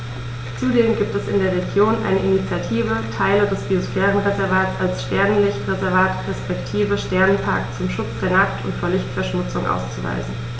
Zudem gibt es in der Region eine Initiative, Teile des Biosphärenreservats als Sternenlicht-Reservat respektive Sternenpark zum Schutz der Nacht und vor Lichtverschmutzung auszuweisen.